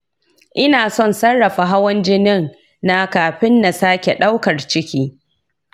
ina son sarrafa hawan jinin na kafin na sake ɗaukar ciki.